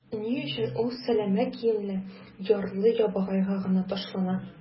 Ни өчен ул сәләмә киемле ярлы-ябагайга гына ташлана?